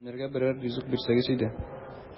Ятимнәргә берәр ризык бирсәгез иде! ..